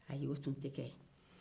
ayi o tun tɛ kɛ